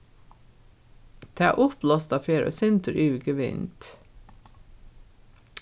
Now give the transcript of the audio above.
tað uppblásta fer eitt sindur yvir gevind